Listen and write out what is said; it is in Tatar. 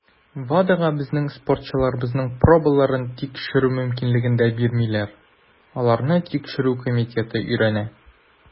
WADAга безнең спортчыларыбызның пробаларын тикшерү мөмкинлеген дә бирмиләр - аларны Тикшерү комитеты өйрәнә.